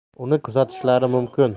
uni kuzatishlari mumkin